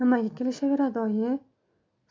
nimaga kelishaveradi oyi